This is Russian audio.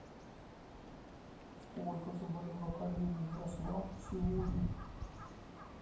сколько заболело колено в ярославле сегодня